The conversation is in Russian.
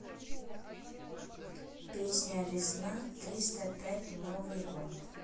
песня весна триста пять новый год